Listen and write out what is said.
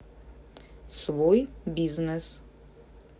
свой бизнес